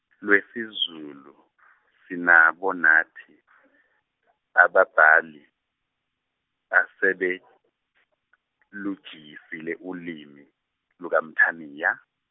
lwesiZulu sinabo nathi ababhali asebelujiyisile ulimi lukaMthaniya.